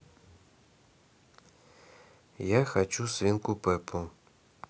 я хочу свинку пеппу